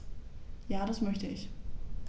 Ja, das möchte ich.